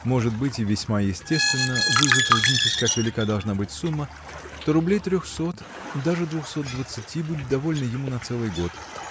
Может быть, — и весьма естественно — вы затруднитесь, как велика должна быть сумма, то рублей трехсот, даже двухсот двадцати, — будет довольно ему на целый год.